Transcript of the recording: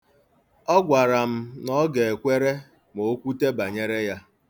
Ọ gwara m na ọ ga-ekwere ma o kwute banyere ya.